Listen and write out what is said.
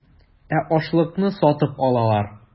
Ә ашлыкны сатып алалар.